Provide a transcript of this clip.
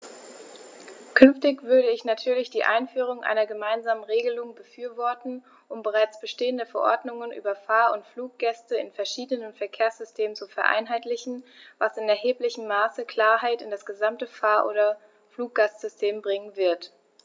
Künftig würde ich natürlich die Einführung einer gemeinsamen Regelung befürworten, um bereits bestehende Verordnungen über Fahr- oder Fluggäste in verschiedenen Verkehrssystemen zu vereinheitlichen, was in erheblichem Maße Klarheit in das gesamte Fahr- oder Fluggastsystem bringen wird.